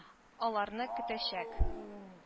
Аларны көтәчәк